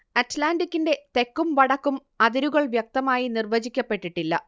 അറ്റ്ലാന്റിക്കിന്റെ തെക്കും വടക്കും അതിരുകൾ വ്യക്തമായി നിർവചിക്കപ്പെട്ടിട്ടില്ല